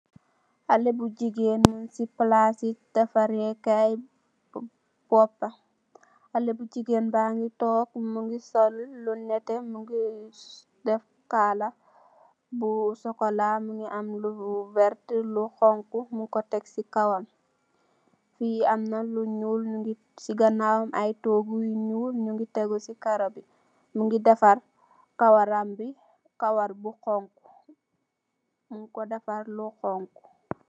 Xalé bu jigéen muñ si palaas i defaree Kaay Xalé bu jigéen baa ngi toog, mu ngi sol lu nétté, def kaala bu sokolaa, def lu werta, def lu xoñgu, tek ko si kowam. Fii am na lu ñuul, si ganaawam am na toggu yu ñuul yu teggu si karo bi. Mu ngi defar kawaram bi, kawar bi xoñxu. Muñ ko def kawar bu xoñxu.